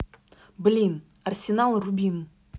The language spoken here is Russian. блин арсенал рубин